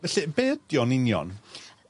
Felly be' yd' o'n union?